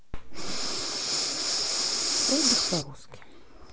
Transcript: отдых по русски